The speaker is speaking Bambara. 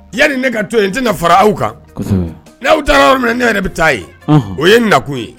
Yani ne ka to yen n tɛna fara aw kan n'aw taara yɔrɔ min ne yɛrɛ bɛ taa ye o ye n na kun ye.